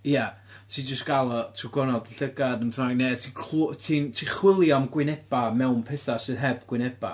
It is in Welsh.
Ie ti jyst gael o trwy gornel dy llygad neu ti'n clw- ti'n ti'n chwilio am gwynebau mewn pethau sydd heb gwynebau.